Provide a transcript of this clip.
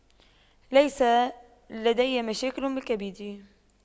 ليس لدي مشاكل بالكبد